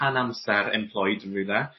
rhan amser employed unrwbeth